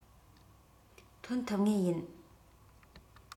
ཐོན ཐུབ ངེས ཡིན